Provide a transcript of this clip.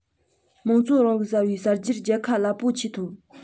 དམངས གཙོའི རིང ལུགས གསར པའི གསར བརྗེར རྒྱལ ཁ རླབས པོ ཆེ ཐོབ